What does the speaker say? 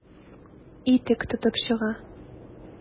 Итек тотып чыга.